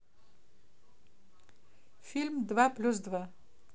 фильм два плюс два